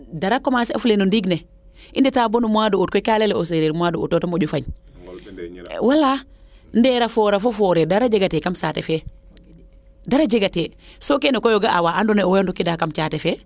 dara commencer a fule no ndiing ne i ndeta boona mois d' Aout koy kaa leyele o sereer mois d' Aout o te moƴu fañ wala ndeera a foora fo foore dara jegate kam saate fee dara jegatee so keene koy o ga'a waa ando naye owey ndokiida kam caate fee